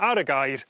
ar y gair